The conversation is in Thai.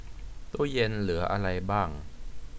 ตู้เย็นเหลืออะไรบ้าง